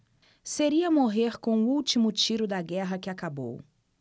seria morrer com o último tiro da guerra que acabou